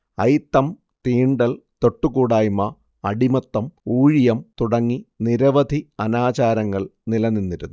അയിത്തം തീണ്ടൽ തൊട്ടുകൂടായ്മ അടിമത്തം ഊഴിയം തുടങ്ങി നിരവധി അനാചാരങ്ങൾ നിലനിന്നിരുന്നു